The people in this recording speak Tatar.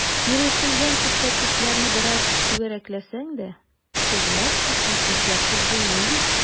Ирешелгән күрсәткечләрне бераз “түгәрәкләсәң” дә, хезмәт хакын үзгәртеп булмый бит.